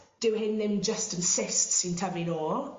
dyw hyn ddim jyst yn cyst sy'n tyfu nôl.